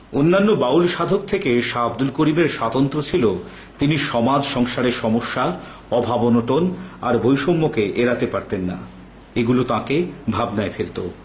অন্যান্য বাউল সাধক থেকে শাহ আব্দুল করিম এর স্বাতন্ত্র ছিল তিনি সমাজ সংসারের সমস্যা অভাব-অনটন আর বৈষম্যকে এড়াতে পারতেন না এগুলো তাকে ভাবনায় ফেলত